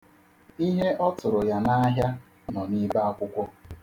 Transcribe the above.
Ihe ọ tụrụ ya n'ahịa nọ n'ibe akwụkwọ.